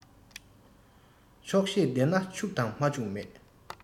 ཆོག ཤེས ལྡན ན ཕྱུག དང མ ཕྱུག མེད